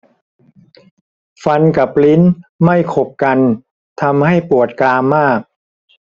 ฟันกับลิ้นไม่ขบกันทำให้ปวดกรามมาก